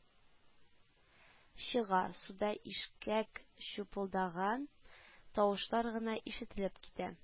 Чыга, суда ишкәк чупылдаган тавышлар гына ишетелеп китә